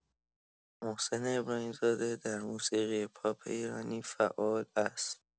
محسن ابراهیم‌زاده در موسیقی پاپ ایرانی فعال است.